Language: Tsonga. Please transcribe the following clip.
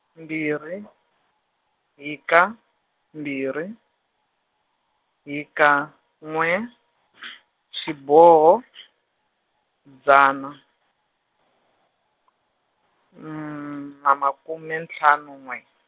mbirhi , hika, mbirhi, hika, n'we , xiboho, dzana, na makume ntlhanu n'we.